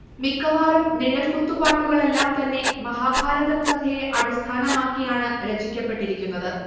മിക്കവാറും നിഴൽക്കുത്തുപാട്ടുകളെല്ലാം തന്നെ മഹാഭാരതം കഥയെ അടിസ്ഥാനമാക്കിയാണു രചിക്കപ്പെട്ടിരിക്കുന്നത്